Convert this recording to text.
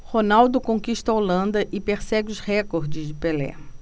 ronaldo conquista a holanda e persegue os recordes de pelé